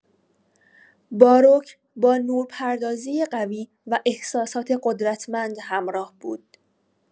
باروک با نورپردازی قوی و احساسات قدرتمند همراه بود.